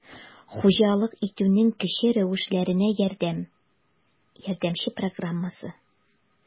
«хуҗалык итүнең кече рәвешләренә ярдәм» ярдәмче программасы